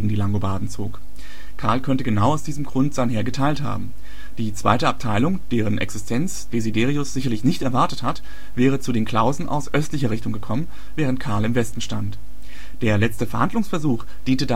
Langobarden zog. Karl könnte genau aus diesem Grund sein Heer geteilt haben. Die zweite Abteilung, deren Existenz Desiderius sicherlich nicht erwartet hat, wäre zu den Klausen aus östlicher Richtung gekommen, während Karl im Westen stand. Der letzte Verhandlungsversuch diente